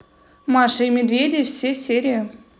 маша и медведи все серии